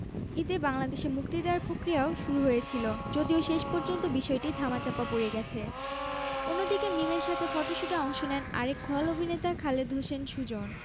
সকলের মুখে অ্যাভেঞ্জার্স এর প্রশংসা এখনও পর্যন্ত এই হলিউড ছবিটি ১০১০৮ কোটিরও বেশি ব্যবসা করেছে কিন্তু অমিতাভ বচ্চন এই ছবিটি দেখে কিছুই বুঝতে পারেননি